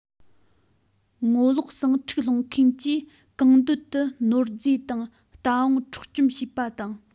ངོ ལོག ཟིང འཁྲུག སློང མཁན གྱིས གང འདོད དུ ནོར རྫས དང རྟ བོང འཕྲོག བཅོམ བྱས པ དང